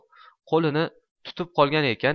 qo'lini tutib qolgan ekan